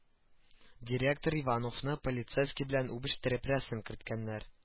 Директор ивановны полицейский белән үбештереп рәсем керткәннәр